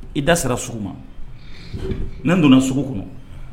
I da sera sugu ma . Nan donna sugu kɔnɔ.